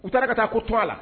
U taara ka taa ko t la